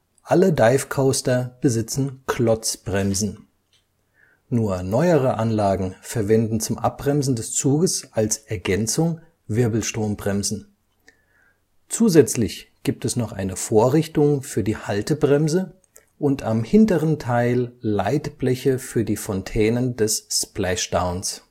Alle Dive Coaster besitzen Klotzbremsen. Nur neuere Anlage verwenden zum Abbremsen des Zuges als Ergänzung Wirbelstrombremsen. Zusätzlich gibt es noch eine Vorrichtung für die Haltebremse und am hinteren Teil Leitbleche für die Fontänen des Splashdowns